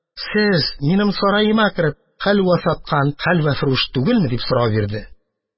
Сез, минем сараема кереп, хәлвә саткан хәлвәфрүш түгелме? – дип сорау бирде.